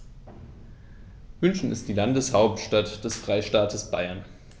München ist die Landeshauptstadt des Freistaates Bayern.